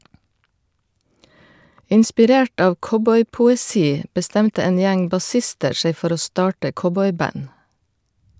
Inspirert av cowboypoesi bestemte en gjeng bassister seg for å starte cowboyband.